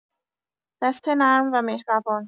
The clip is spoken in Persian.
دست نرم و مهربان